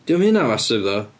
Dydio ddim hynna massive ddo.